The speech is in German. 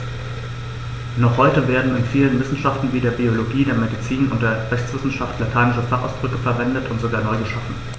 Noch heute werden in vielen Wissenschaften wie der Biologie, der Medizin und der Rechtswissenschaft lateinische Fachausdrücke verwendet und sogar neu geschaffen.